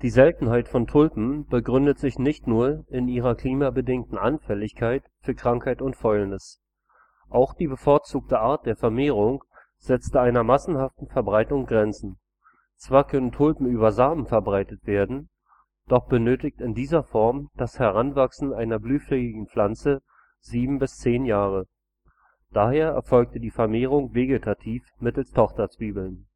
Seltenheit von Tulpen begründete sich nicht nur in ihrer klimabedingten Anfälligkeit für Krankheiten und Fäulnis. Auch die bevorzugte Art der Vermehrung setzte einer massenhaften Verbreitung Grenzen: Zwar können Tulpen über Samen verbreitet werden, doch benötigt in dieser Form das Heranwachsen einer blühfähigen Pflanze sieben bis zehn Jahre. Daher erfolgte die Vermehrung vegetativ mittels Tochterzwiebeln